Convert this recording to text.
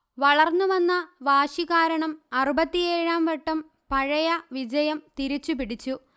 വളർന്നുവന്ന വാശി കാരണം അറുപത്തിയേഴാം വട്ടം പഴയ വിജയം തിരിച്ചുപിടിച്ചു